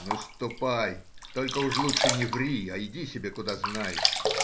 — Ну, ступай, только уж лучше не ври, а иди себе куда знаешь.